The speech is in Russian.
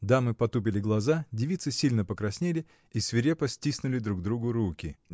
Дамы потупили глаза, девицы сильно покраснели и свирепо стиснули друг другу руки.